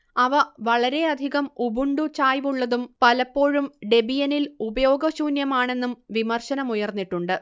അവ വളരെയധികം ഉബുണ്ടു ചായ്വുള്ളതും പലപ്പോഴും ഡെബിയനിൽ ഉപയോഗശൂന്യമാണെന്നും വിമർശനമുയർന്നിട്ടുണ്ട്